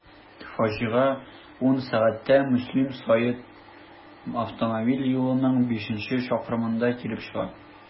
Фаҗига 10.00 сәгатьтә Мөслим–Сәет автомобиль юлының бишенче чакрымында килеп чыга.